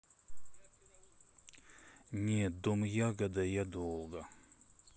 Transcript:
нет дом ягода я долго